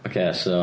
Ocê so...